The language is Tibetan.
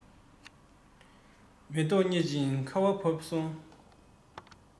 མེ ཏོག རྙིད ཅིང ཁ བ བབས སོང